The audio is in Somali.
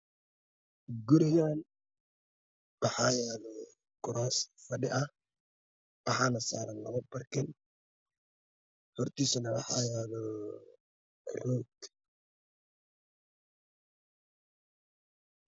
Gurigaan waxaa yaalo kuraas fadhi ah waxaana saaran labo barkin hortiisana waxaa yaalo roog